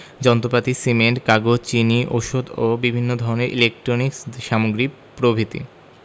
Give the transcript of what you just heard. যন্ত্রপাতি সিমেন্ট কাগজ চিনি ঔষধ ও বিভিন্ন ধরনের ইলেকট্রনিক্স সামগ্রী প্রভ্রিতি